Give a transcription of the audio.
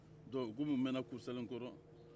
donc kɔmi u mɛnna kurusalenkɔrɔ